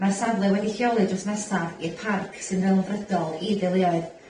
Ma'r safle wedi lleoli drws nesa i'r parc sy'n ddelfrydol i deuluoedd.